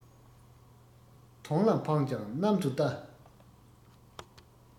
དོང ལ འཕངས ཀྱང གནམ དུ བལྟ